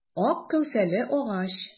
Ак кәүсәле агач.